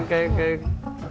cái cái